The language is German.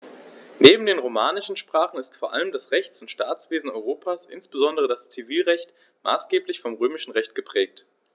Neben den romanischen Sprachen ist vor allem das Rechts- und Staatswesen Europas, insbesondere das Zivilrecht, maßgeblich vom Römischen Recht geprägt.